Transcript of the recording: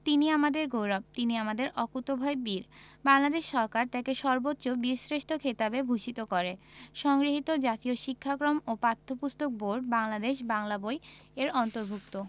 তিনি আমাদের গৌরব তিনি আমাদের অকুতোভয় বীর বাংলাদেশ সরকার তাঁকে সর্বোচ্চ বীরশ্রেষ্ঠ খেতাবে ভূষিত করে সংগৃহীত জাতীয় শিক্ষাক্রম ও পাঠ্যপুস্তক বোর্ড বাংলাদেশ বাংলা বই এর অন্তর্ভুক্ত